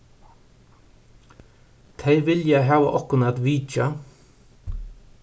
tey vilja hava okkum at vitja